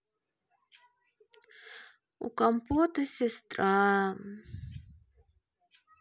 у компота сестра